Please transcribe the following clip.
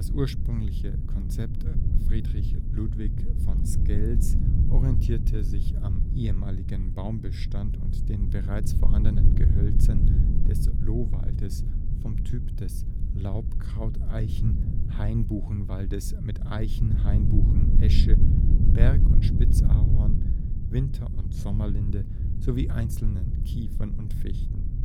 ursprüngliche Konzept Friedrich Ludwig von Sckells orientierte sich am einheimischen Baumbestand und den bereits vorhandenen Gehölzen des Lohwaldes vom Typ des Labkraut-Eichen-Hainbuchenwaldes mit Eichen, Hainbuchen, Esche, Berg - und Spitzahorn, Winter - und Sommerlinde, sowie einzelnen Kiefern und Fichten